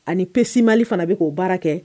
Ani pesimali fana bɛ k'o baara kɛ